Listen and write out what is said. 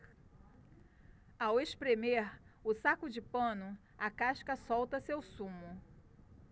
ao espremer o saco de pano a casca solta seu sumo